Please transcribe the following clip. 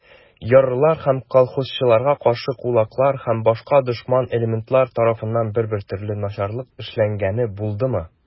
Ярлылар һәм колхозчыларга каршы кулаклар һәм башка дошман элементлар тарафыннан бер-бер төрле начарлык эшләнгәне булдымы?